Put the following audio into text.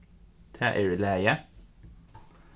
tað er í lagi